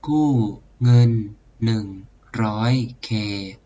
กู้เงินหนึ่งร้อยเค